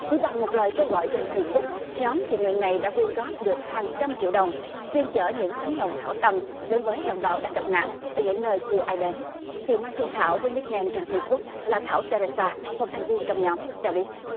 chỉ bằng một lời kêu gọi trên phây búc nhóm thiện nguyện này đã quyên góp được hàng trăm triệu đồng chuyên chở những tấm lòng hảo tâm đến với đồng bào đang gặp nạn tại những nơi chưa ai đến chị mai phương thảo với ních nêm trên phây búc là thảo tê rê sa một thành viên trong nhóm cho biết